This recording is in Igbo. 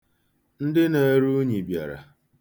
Ndị na-ere unyi bịara.